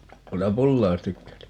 otahan pullaa jos tykkäät